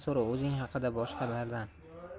so'ra o'zing haqida boshqalardan